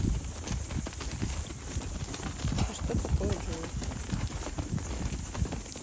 а что такое джой